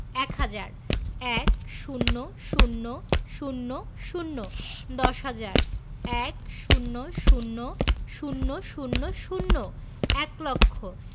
এক হাজার ১০০০০ দশ হাজার ১০০০০০ এক লক্ষ